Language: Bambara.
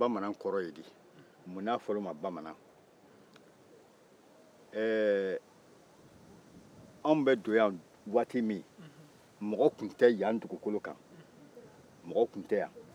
bamanan kɔrɔ ye di munna a fɔra u ma bamanan anw bɛ don yan waati min mɔgɔ tun tɛ yan dugukolo kan mɔgɔ tun tɛ yan